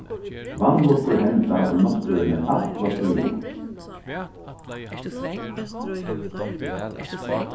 vanlukkur henda í náttúruni alla tíðina